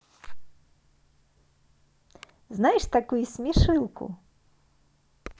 знаешь такую смешилку